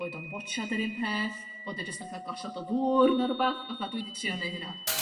Boed o'n wotshad yr un peth bod e jyst yn ca'l glasiad o ddŵr ne' rwbath fatha dwi 'di trio neu' hynna.